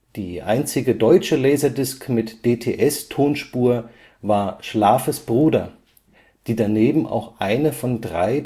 Die einzige deutsche Laserdisc mit DTS-Tonspur war Schlafes Bruder, die daneben auch eine von drei